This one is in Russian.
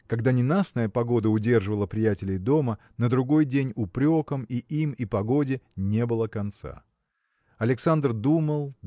Когда ненастная погода удерживала приятелей дома на другой день упрекам и им и погоде не было конца. Александр думал